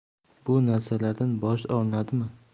bu narsalardan boj olinadimi